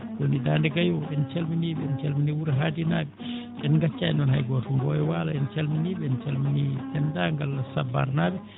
en caliminii ɓe en calminii wuor Haadi naaɓe en ngaccaani noon hay gooto Mboyo Walo en calminii ɓe en calminii dennndaangal Sabbaarnaaɓe